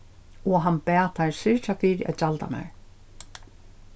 og hann bað teir syrgja fyri at gjalda mær